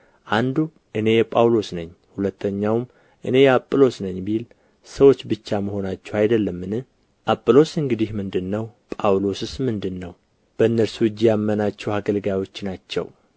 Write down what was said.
አንዱ እኔ የጳውሎስ ነኝ ሁለተኛውም እኔ የአጵሎስ ነኝ ቢል ሰዎች ብቻ መሆናችሁ አይደለምን አጵሎስ እንግዲህ ምንድር ነው ጳውሎስስ ምንድር ነው በእነርሱ እጅ ያመናችሁ አገልጋዮች ናቸው